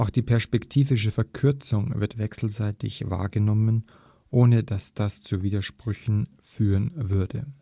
die perspektivische Verkürzung wird wechselseitig wahrgenommen, ohne dass das zu Widersprüchen führen würde